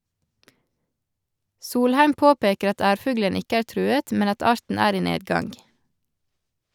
Solheim påpeker at ærfuglen ikke er truet, men at arten er i nedgang.